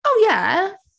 O, ie.